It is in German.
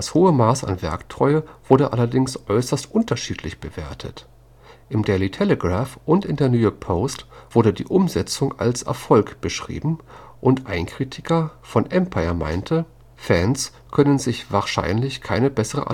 hohe Maß an Werktreue wurde allerdings äußerst unterschiedlich bewertet: Im Daily Telegraph und in der New York Post wurde die Umsetzung als Erfolg beschrieben, und ein Kritiker von Empire meinte, Fans können sich wahrscheinlich keine bessere